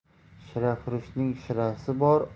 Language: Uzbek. shirafurushning shirasi bor